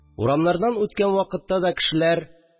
Урамнардан үткән вакытта да кешеләр